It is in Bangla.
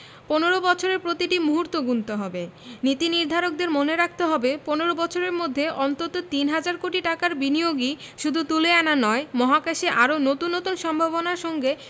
১৫ বছরের প্রতিটি মুহূর্ত গুনতে হবে নীতিনির্ধারকদের মনে রাখতে হবে ১৫ বছরের মধ্যে অন্তত তিন হাজার কোটি টাকার বিনিয়োগই শুধু তুলে আনা নয় মহাকাশে আরও নতুন নতুন সম্ভাবনার সঙ্গে